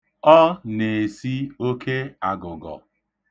Ọ na-esi oke agụgọ.